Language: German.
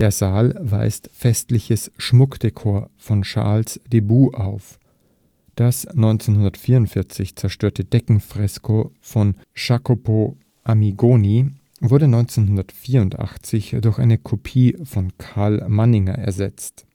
Saal weist festliches Schmuckdekor von Charles Dubut auf. Das 1944 zerstörte Deckenfresko von Jacopo Amigoni wurde 1984 durch eine Kopie von Karl Manninger ersetzt